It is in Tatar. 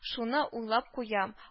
Шуны уйлап куям